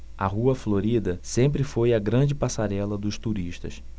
a rua florida sempre foi a grande passarela dos turistas